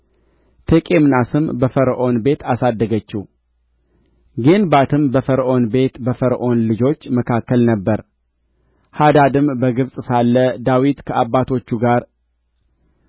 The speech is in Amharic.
ቴቄምናስም በፈርዖን ቤት አሳደገችው ጌንባትም በፈርዖን ቤት በፈርዖን ልጆች መካከል ነበረ ሃዳድም በግብጽ ሳለ ዳዊት ከአባቶቹ ጋር